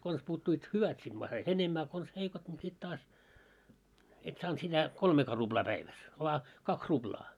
konsa puuttuivat hyvät sitten ma sait enemmän a konsa heikot niin sitten taas et saanut sitä kolmeakaan ruplaa päivässä vain kaksi ruplaa